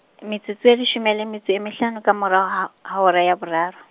metsotso e leshome le metso e mehlano ka morao ha, ha hora ya boraro.